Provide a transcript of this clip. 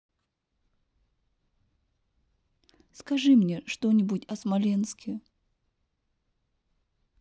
скажи мне что нибудь о смоленске